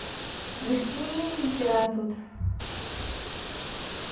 мишки не нихера тут